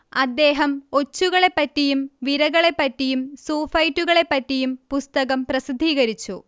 അദ്ദേഹം ഒച്ചുകളെപ്പറ്റിയും വിരകളെപ്പറ്റിയും സൂഫൈറ്റുകളെപ്പറ്റിയും പുസ്തകം പ്രസിദ്ധീകരിച്ചു